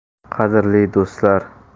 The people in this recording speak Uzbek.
qadrli do'stlar